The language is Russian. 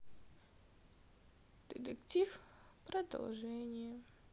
детектив продолжение